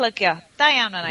plygio. Da iawn fan 'na...